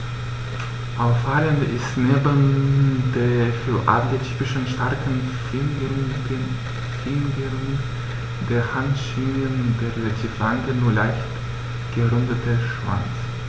Auffallend ist neben der für Adler typischen starken Fingerung der Handschwingen der relativ lange, nur leicht gerundete Schwanz.